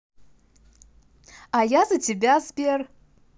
а я за тебя сбер